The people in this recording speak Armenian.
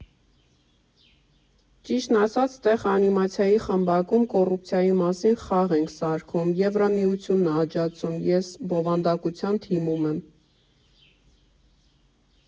Ճիշտն ասած, ստեղ անիմացիայի խմբակում կոռուպցիայի մասին խաղ ենք սարքում՝ Եվրամիությունն ա աջակցում, ես բովանդակության թիմում եմ։